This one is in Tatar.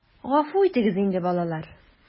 Гафу итегез инде, балалар...